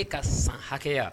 E ka san hakɛya